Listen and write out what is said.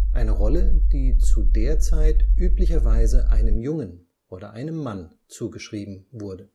Eine Rolle, die zu der Zeit üblicherweise einem Jungen oder einem Mann zugeschrieben wurde